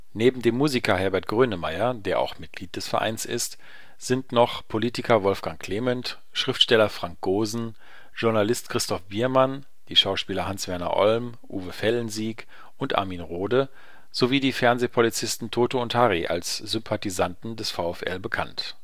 Neben dem Musiker Herbert Grönemeyer, der auch Mitglied des Vereins ist, sind noch Politiker Wolfgang Clement, Schriftsteller Frank Goosen, Journalist Christoph Biermann, die Schauspieler Hans Werner Olm, Uwe Fellensiek und Armin Rohde, sowie die Fernsehpolizisten Toto & Harry als Sympathisanten des VfL bekannt